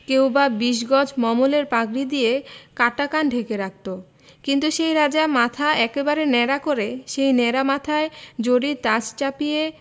কেউ বা বিশ গজ মলমলের পাগড়ি দিয়ে কাটা কান ঢেকে রাখত কিন্তু সেই রাজা মাথা একেবারে ন্যাড়া করে সেই ন্যাড়া মাথায় জরির তাজ চাপিয়ে